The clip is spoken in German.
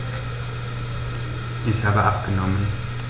Ich habe abgenommen.